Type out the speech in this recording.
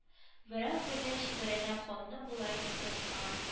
Берәү бездән чибәрәнә хатны болай дип язган